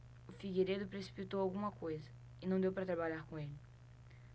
o figueiredo precipitou alguma coisa e não deu para trabalhar com ele